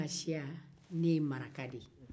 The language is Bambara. fasiya ne ye maraka de ye